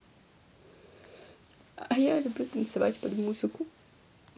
а я люблю танцевать под музыку